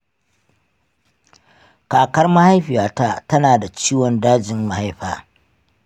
kakar mahaifiyata ta na da ciwon dajin mahaifa